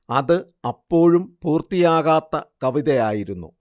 അത് അപ്പോഴും പൂർത്തിയാകാത്ത കവിതയായിരുന്നു